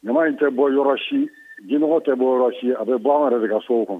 Ɲamaman in tɛ bɔ yɔrɔ si jinɛmɔgɔ tɛ bɔ yɔrɔ si a bɛ bɔ an yɛrɛ de ka sow kɔnɔ